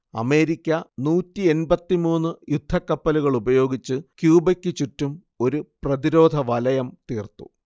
America നൂറ്റിയെൺപത്തിമൂന്ന് യുദ്ധക്കപ്പലുകളുപയോഗിച്ച് ക്യൂബക്കു ചുറ്റും ഒരു പ്രതിരോധവലയം തീർത്തു